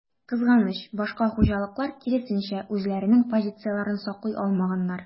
Кызганыч, башка хуҗалыклар, киресенчә, үзләренең позицияләрен саклый алмаганнар.